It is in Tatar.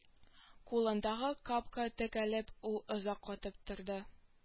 Кулындагы капка текәлеп ул озак катып торды